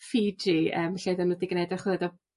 Fiji yym lle 'dden nhw 'di gneud ymchwil iddo